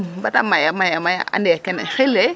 bata maya maya may o ande kene xile